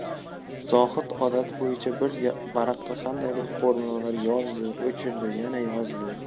zohid odati bo'yicha bir varaqqa qandaydir formulalar yozdi o'chirdi yana yozdi